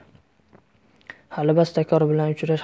hali bastakor bilan uchrash